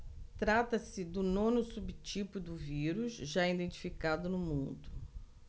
trata-se do nono subtipo do vírus já identificado no mundo